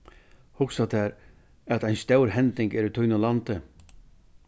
hugsa tær at ein stór hending er í tínum landi